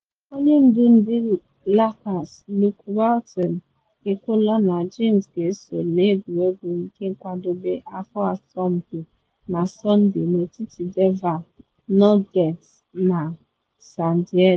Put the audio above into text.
Onye ndu ndị Lakers Luke Walton ekwuola na James ga-eso n’egwuregwu nke nkwadobe afọ asọmpi na Sọnde n’etiti Denver Nuggets na San Diego.